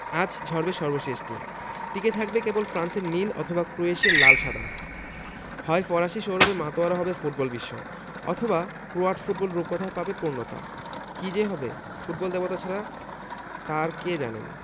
আজ ঝরবে সর্বশেষটি টিকে থাকবে কেবল ফ্রান্সের নীল অথবা ক্রোয়েশিয়ার লাল সাদা হয় ফরাসি সৌরভে মাতোয়ারা হবে ফুটবলবিশ্ব অথবা ক্রোয়াট ফুটবল রূপকথা পাবে পূর্ণতা কী যে হবে ফুটবল দেবতা ছাড়া তা আর জানেন কে